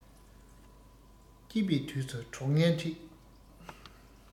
སྐྱིད པའི དུས སུ གྲོགས ངན འཕྲད